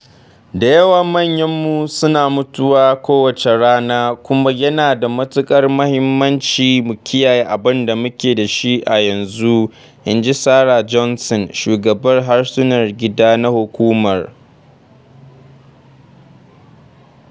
“Da yawan manyanmu suna mutuwa kowace rana, kuma yana da matuƙar muhimmanci mu kiyaye abin da muke da shi a yanzu,” in ji Sarah Johnson, shugabar harsunan gida na Hukumar